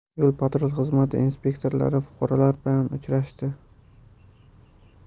yo patrul xizmati inspektorlari fuqarolar bilan uchrashdi